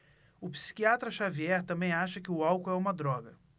o psiquiatra dartiu xavier também acha que o álcool é uma droga